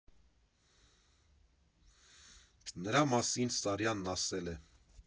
Նրա մասին Սարյանն ասել է.